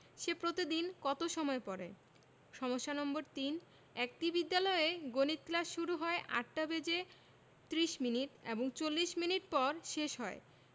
সে প্রতিদিন কত সময় পড়ে সমস্যা নম্বর ৩ একটি বিদ্যালয়ে গণিত ক্লাস শুরু হয় ৮টা বেজে ৩০ মিনিট এবং ৪০ মিনিট পর শেষ হয়